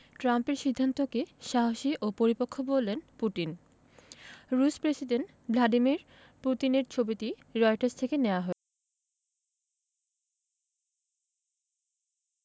ট্রাম্পের সিদ্ধান্তকে সাহসী ও পরিপক্ব বললেন পুতিন রুশ প্রেসিডেন্ট ভ্লাদিমির পুতিনের ছবিটি রয়টার্স থেকে নেয়া হয়েছে উত্তর কোরীয় নেতা কিম জং উনের সঙ্গে